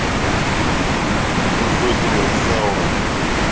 родина изаура